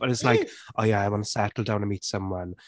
And it’s like "Oh yeah, I want to settle down and meet someone".